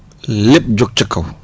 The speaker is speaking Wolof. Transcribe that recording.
lépp jug ca kaw